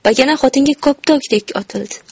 pakana xotinga koptokdek otildi